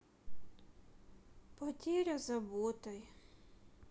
потеря заботой